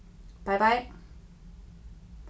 bei bei